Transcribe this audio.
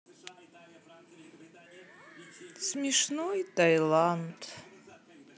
смешной тайланд